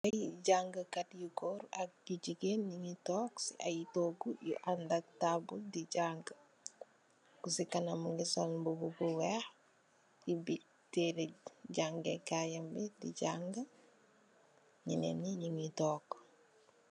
Aiiy jangah kat yu tok gorre ak gigain, njungy tok cii aiiy tohgu yu aandak taabul dii jangue, ku cii kanam sol mbubu bu wekh, oubi tehreh jaangeh kaii yam bii dii jangue, njenen njii njungy tok.